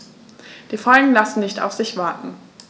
Die Folgen lassen nicht auf sich warten.